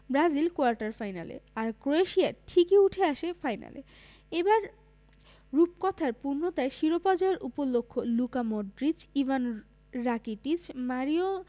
Brazil quarter ফাইনালে আর Croatia ঠিকই উঠে আসে ফাইনালে এবার রূপকথার পূর্ণতায় শিরোপা জয়ের উপলক্ষ Luka Modric Ivan Rakitic Mario